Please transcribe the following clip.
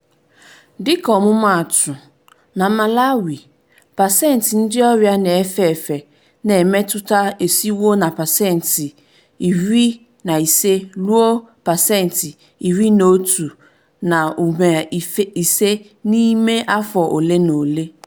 Dịka ọmụmaatụ, na Malawi, pasentị ndị ọrịa na-efe efe na-emetụta esiwo na pasent 15 ruo 11.5% n'ime afọ ole na ole.